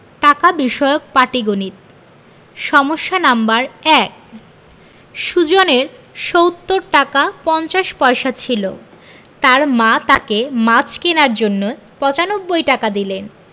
টাকা বিষয়ক পাটিগনিতঃ সমস্যা নাম্বার ১ সুজনের ৭০ টাকা ৫০ পয়সা ছিল তার মা তাকে মাছ কেনার জন্য ৯৫ টাকা দিলেন